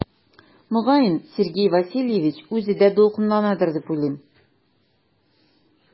Мөгаен Сергей Васильевич үзе дә дулкынланадыр дип уйлыйм.